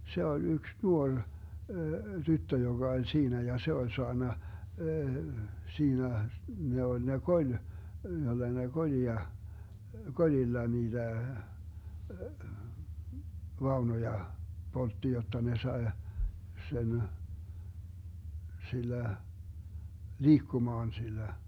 se oli yksi nuori tyttö joka oli siinä ja se oli saanut siinä ne oli ne koli jota ne kolia kolilla niitä vaunuja poltti jotta ne sai sen sillä liikkumaan sillä